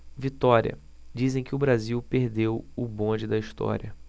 vitória dizem que o brasil perdeu o bonde da história